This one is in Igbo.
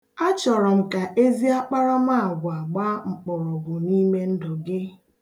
Achọrọ m ka ezi akparamaagwa gbaa mkpọrọgwụ n'ime ndụ gị.